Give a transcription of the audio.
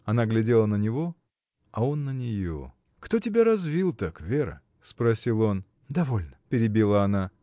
Она глядела на него, а он на нее. — Кто тебя развил так, Вера? — спросил он. — Довольно, — перебила она.